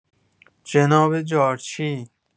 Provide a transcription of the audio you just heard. جناب جارچی!